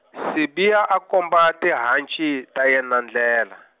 Sibiya a komba tihanci ta yena ndlela.